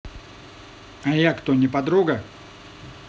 а я кто не подруга